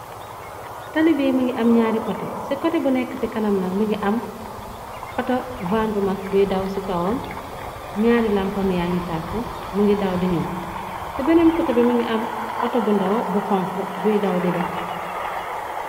Talibi mingi am ñaari kote. Ci kote bu nekk ci kanam nag mi ngi am auto van bu mag buy daw ci kawam ñaari lampam yaangi tàkk. Mi ngi daw di ñuo ci benneen koté bi. Mungi am auto bu ndaw bu xonk buy daw di dém.